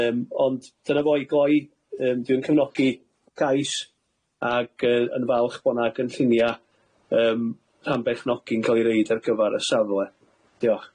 Yym ond dyna fo i gloi. Yym, dwi yn cefnogi y cais ag yy yn falch bo' na gynllunia yym rhan berchnogi'n ca'l i roid ar gyfar y safle. Diolch.